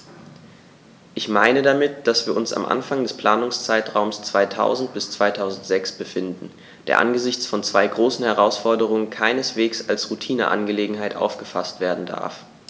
Ich meine damit, dass wir uns am Anfang des Planungszeitraums 2000-2006 befinden, der angesichts von zwei großen Herausforderungen keineswegs als Routineangelegenheit aufgefaßt werden darf.